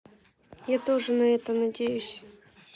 я тоже на это надеюсь